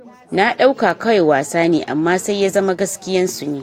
“na dauka kawai wasa ne, amma sai ya zama gaskiyan su ne.”